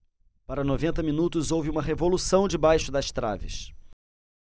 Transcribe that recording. para noventa minutos houve uma revolução debaixo das traves